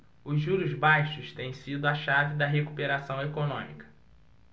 os juros baixos têm sido a chave da recuperação econômica